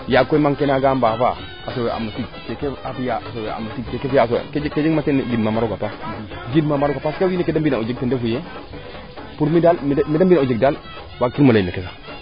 yaagg koy mang ke naanga mbaafa keeke a fiya ke jeg ma teen sant ama rooga paax gidmaam a rooga paax so wiin we keede mbi na aussi pour mi daal keede mbina o jeg daal waag kimo ley teen